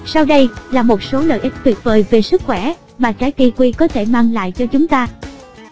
sau đây là một số lợi ích tuyệt vời về sức khoẻ mà trái kiwi có thể mang lại cho chúng ta